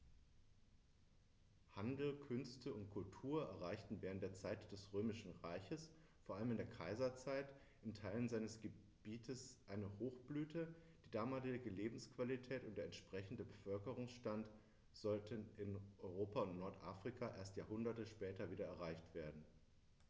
Handel, Künste und Kultur erreichten während der Zeit des Römischen Reiches, vor allem in der Kaiserzeit, in Teilen seines Gebietes eine Hochblüte, die damalige Lebensqualität und der entsprechende Bevölkerungsstand sollten in Europa und Nordafrika erst Jahrhunderte später wieder erreicht werden.